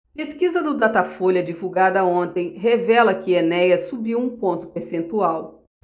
pesquisa do datafolha divulgada ontem revela que enéas subiu um ponto percentual